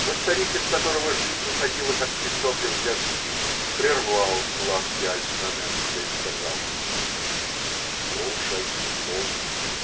Но старик, из которого жизнь уходила, как песок из горсти, прервал ласки Аль-Джанеско и сказал: -- Слушай и помни.